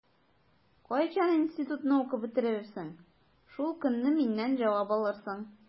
Кайчан институтны укып бетерерсең, шул көнне миннән җавап алырсың.